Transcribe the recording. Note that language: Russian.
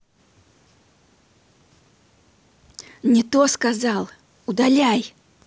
не то сказал удаляй